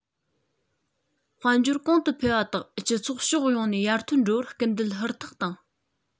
དཔལ འབྱོར གོང དུ འཕེལ བ དང སྤྱི ཚོགས ཕྱོགས ཡོངས ནས ཡར ཐོན འགྲོ བར སྐུལ འདེད ཧུར ཐག བཏང